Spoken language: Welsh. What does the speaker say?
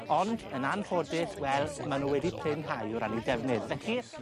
Ond, yn anffodus wel ma' n'w wedi prinhau o ran 'u defnydd felly